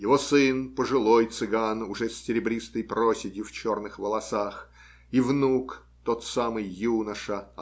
Его сын, пожилой цыган, уже с серебристой проседью в черных волосах, и внук, тот самый юноша